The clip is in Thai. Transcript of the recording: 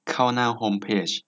เข้าหน้าโฮมเพจ